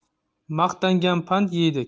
maqtangan pand yeydi